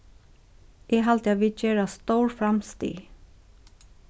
eg haldi at vit gera stór framstig